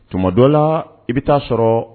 Tuma dɔ la i bɛ taa sɔrɔ